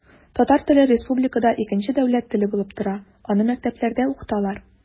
Татар теле республикада икенче дәүләт теле булып тора, аны мәктәпләрдә укыталар.